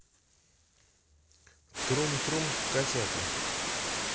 трум трум котята